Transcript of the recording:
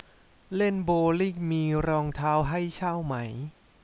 เล่นโบว์ลิ่งมีรองเท้าให้เช่าไหม